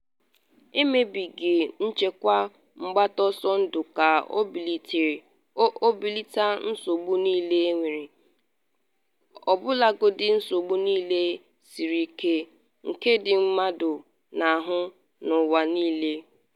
Emebeghị nchekwa mgbata ọsọ ndụ ka obeleta nsogbu niile enwere - ọbụlagodi nsogbu niile siri ike - nke ndị mmadụ n’ahụ n’ụwa niile.